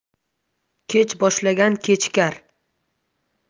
kech boshlagan kechikar